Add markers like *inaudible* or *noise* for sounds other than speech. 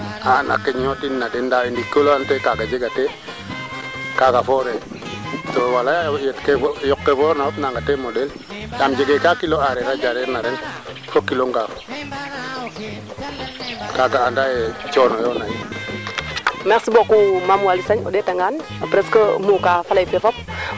wa ko ngaaya ngonjil goda caakir anda keede leya a caakir manaam *unintelligible* o jag anda o jag o jag xa loqa refaa tiye a qojil a refaa o godin bata jeg semaine o natin